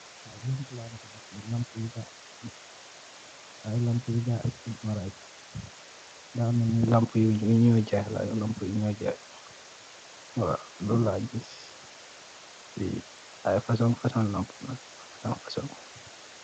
Ay laapu yu gaayi i age si maraaj. Da melni lampa yu ñuy jaay la. Waaw, lool laa gis fii, waaw, ay fasong fasong lampa, ay fasong.